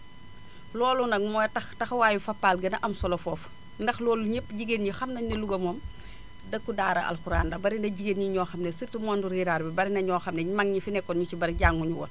loolu nag moo tax taxawaayu Fapal gën a am solo foofu ndax loolu yëpp jigéen ñi xam nañu ne Louga moom dëkku daara alxuraan la bari ay jigéen yi ñoo xam ne surtout monde rural bi bari na ñoo xam ne mag ñi fi nekkoon ñu ci bari jànguñu woon